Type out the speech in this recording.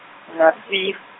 ngina fif-.